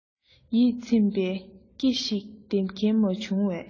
ཡིད ཚིམ པའི ཀི ཞིག འདེབས མཁན མ བྱུང བས